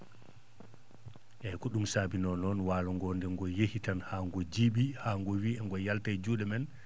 eeyi ko ?um sabii noon waalo ngo nde ngo yehii tan haa ngo jii?ii haa ngo yehi haa ngo e ngo yalta e juu?e me?en